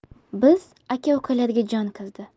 biz aka ukalarga jon kirdi